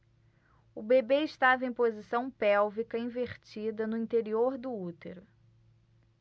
o bebê estava em posição pélvica invertida no interior do útero